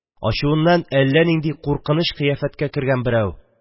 Ачуыннан әллә нинди куркыныч кыяфәткә кергән берәү: